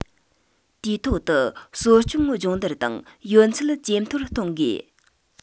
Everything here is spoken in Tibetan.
དུས ཐོག ཏུ གསོ སྐྱོང སྦྱོང བརྡར དང ཡོན ཚད ཇེ མཐོར གཏོང དགོས